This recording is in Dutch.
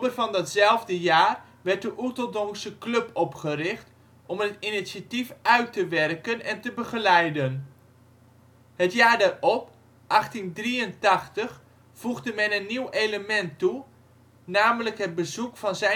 van datzelfde jaar werd de Oeteldonksche Club opgericht om het initiatief uit te werken en te begeleiden. Het jaar daarop (1883) voegde men een nieuw element toe, namelijk het bezoek van Z.K.H.